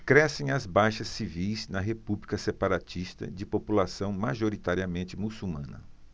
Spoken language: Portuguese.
crescem as baixas civis na república separatista de população majoritariamente muçulmana